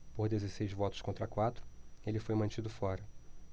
por dezesseis votos contra quatro ele foi mantido fora